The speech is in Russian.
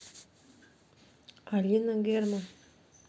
алина герман